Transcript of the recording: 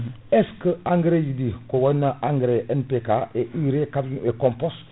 est ce que engrais ji ɗi ko wayno engrais MPK et urée kañum e composte